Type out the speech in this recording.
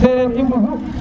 sereer i mbogu